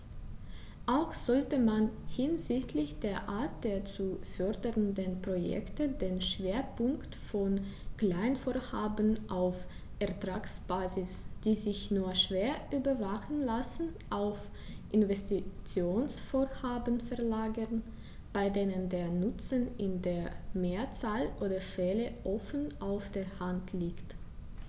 Auch sollte man hinsichtlich der Art der zu fördernden Projekte den Schwerpunkt von Kleinvorhaben auf Ertragsbasis, die sich nur schwer überwachen lassen, auf Investitionsvorhaben verlagern, bei denen der Nutzen in der Mehrzahl der Fälle offen auf der Hand liegt.